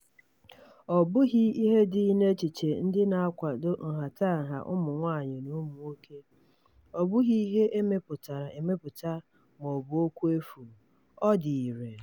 Ọ bụghị ihe dị n'echiche ndị na-akwado nhatanha ụmụ nwaanyị na ụmụ nwoke, ọ bụghị ihe e mepụtara emepụta ma ọ bụ okwu efu: Ọ DỊ IRE!